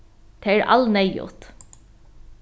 tað er alneyðugt